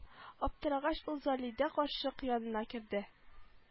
Аптырагач ул залидә карчык ягына керде